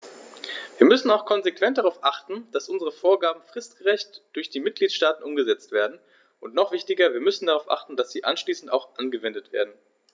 Wir müssen auch konsequent darauf achten, dass unsere Vorgaben fristgerecht durch die Mitgliedstaaten umgesetzt werden, und noch wichtiger, wir müssen darauf achten, dass sie anschließend auch angewendet werden.